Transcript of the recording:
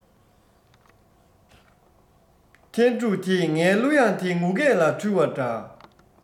ཐན ཕྲུག དེས ངའི གླུ དབྱངས དེ ངུ སྐད ལ འཁྲུལ བ འདྲ